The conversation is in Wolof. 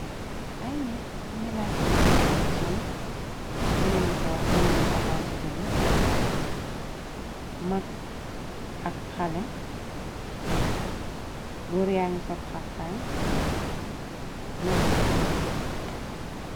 ay nit yi ngi laal seen basaŋg ci suuf ñene ni taxaw di jule mag ak xale gurang sol xaftaan mag ak xale